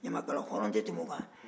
ɲamakala hɔrɔn tɛ tɛmɛ u kan